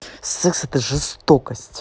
секс это жестокость